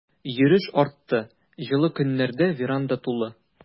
Йөреш артты, җылы көннәрдә веранда тулы.